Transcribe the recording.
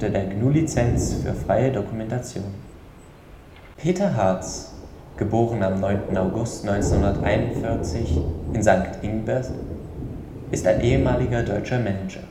der GNU Lizenz für freie Dokumentation. Peter Hartz (* 9. August 1941 in St. Ingbert) ist ein ehemaliger deutscher Manager